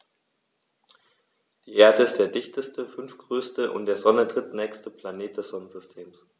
Die Erde ist der dichteste, fünftgrößte und der Sonne drittnächste Planet des Sonnensystems.